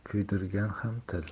kuydirgan ham til